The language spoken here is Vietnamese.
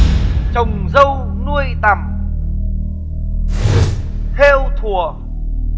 trồng dâu nuôi tằm thêu thùa